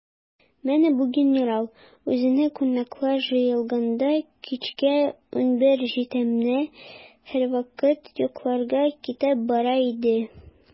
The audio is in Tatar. Менә бу генерал, үзенә кунаклар җыелганда, кичке унбер җиттеме, һәрвакыт йокларга китеп бара иде.